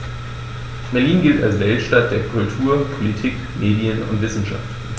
Berlin gilt als Weltstadt der Kultur, Politik, Medien und Wissenschaften.